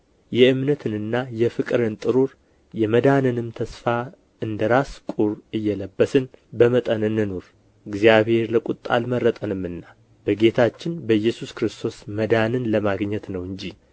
የእምነትንና የፍቅርን ጥሩር የመዳንንም ተስፋ እንደ ራስ ቁር እየለበስን በመጠን እንኑር እግዚአብሔር ለቍጣ አልመረጠንምና በጌታችን በኢየሱስ ክርስቶስ መዳንን ለማግኘት ነው እንጂ